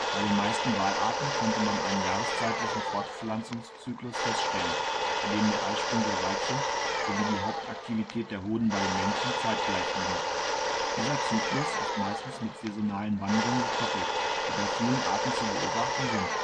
Bei den meisten Walarten konnte man einen jahreszeitlichen Fortpflanzungszyklus feststellen, bei dem der Eisprung der Weibchen sowie die Hauptaktivität der Hoden bei den Männchen zeitgleich liegen. Dieser Zyklus ist meistens mit saisonalen Wanderungen gekoppelt, die bei vielen Arten zu beobachten sind